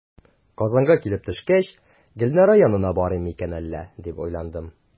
Казанга килеп төшкәч, "Гөлнара янына барыйм микән әллә?", дип уйландым.